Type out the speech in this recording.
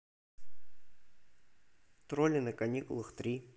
тролли на каникулах три